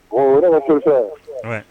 O o ye ne ka solution ye, ouai